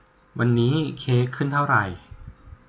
วันนี้เค้กขึ้นเท่าไหร่